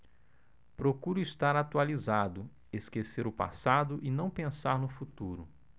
procuro estar atualizado esquecer o passado e não pensar no futuro